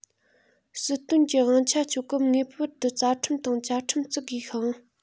ཟིལ སྟོན གྱི དབང ཆ སྤྱོད སྐབས ངེས པར དུ རྩ ཁྲིམས དང བཅའ ཁྲིམས བརྩི དགོས ཤིང